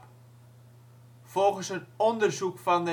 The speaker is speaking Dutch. Volgens een onderzoek van